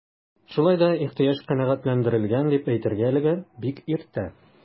Шулай да ихтыяҗ канәгатьләндерелгән дип әйтергә әлегә бик иртә.